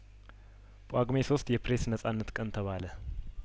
ጳጉሜ ሶስት የፕሬስ ነጻነት ቀን ተባለ